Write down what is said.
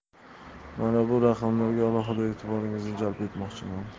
mana bu raqamlarga alohida e'tiboringizni jalb etmoqchiman